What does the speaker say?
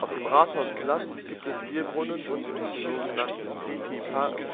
dem Rathausplatz gibt es Bierbrunnen und im sog. Petit Paris („ Klein-Paris